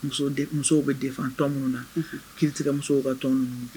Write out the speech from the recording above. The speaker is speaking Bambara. Musow bɛ deffeng tɔn minnu na, kiritigɛ musow ka tɔn minnu